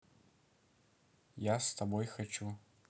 я с тобой хочу